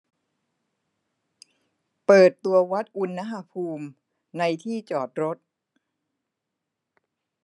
เปิดตัววัดอุณหภูมิในที่จอดรถ